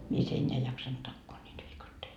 mies enää ei jaksanut takoa niitä viikatteita